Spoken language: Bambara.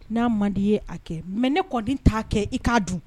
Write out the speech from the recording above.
N'a man di ye a kɛ mais ne kɔni t'a kɛ i k ka'a dun.